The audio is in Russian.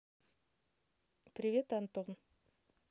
привет антон